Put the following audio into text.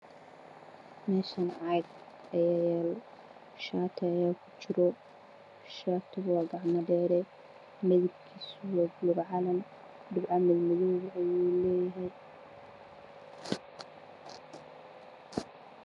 Meeshaan caag ayaa yaalo shaati ayaa kujiro. Shaatigu waa gacmo dheere midabkiisu waa buluug calan dhibco mad madow ayuu leeyahay.